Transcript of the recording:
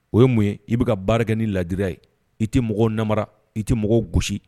O ye mun ye i bi ka baara kɛ ni ladiriya ye i ti mɔgɔw namara i ti mɔgɔw gosi